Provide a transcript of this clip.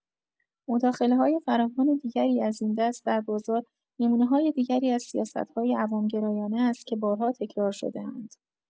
مداخله‌های فراوان دیگری از این دست در بازار، نمونه‌های دیگری از سیاست‌های عوام‌گرایانه است که بارها تکرار شده‌اند.